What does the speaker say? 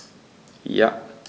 Ja.